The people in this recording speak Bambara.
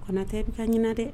A tɛ bɛ ka ɲin dɛ